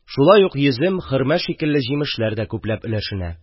Шулай ук йөзем, хөрмә шикелле җимешләр дә күпләп өләшенә.